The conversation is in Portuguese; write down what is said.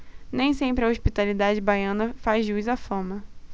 nem sempre a hospitalidade baiana faz jus à fama